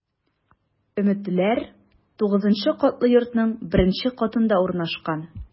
“өметлеләр” 9 катлы йортның беренче катында урнашкан.